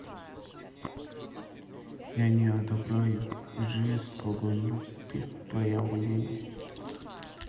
я не одобряю жестокость любых проявлений